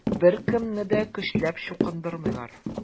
Беркемне дә көчләп чукындырмыйлар.